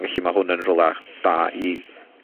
Felly ma' hwn yn rwla da i